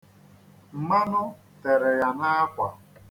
Mmanụ tere ya n'akwa.